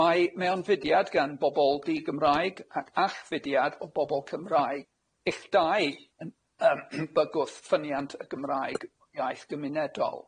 Mae mewnfudiad gan bobol di-Gymraeg ac allfudiad o bobol Cymraeg ill dau yn yym bygwth ffyniant y Gymraeg, iaith gymunedol.